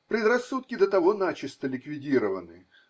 Предрассудки до того начисто ликвидированы.